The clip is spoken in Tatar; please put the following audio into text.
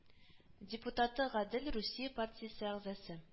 Депутаты, гадел русия партиясе әгъзасы